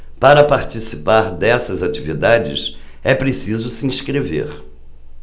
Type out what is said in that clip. para participar dessas atividades é preciso se inscrever